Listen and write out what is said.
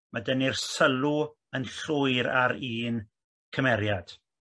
mae denni'r sylw yn llwyr ar un cymeriad.